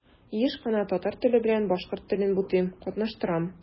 Еш кына татар теле белән башкорт телен бутыйм, катнаштырам.